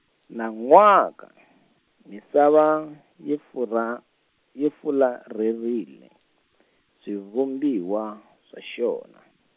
nan'waka, misava, yi furha- yi fularherile, swivumbiwa, swa xona.